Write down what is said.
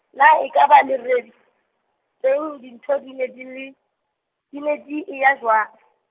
na ekaba Leribe, teng dintho di ne di le, di ne di eya jwang ?